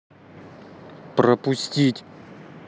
пропустить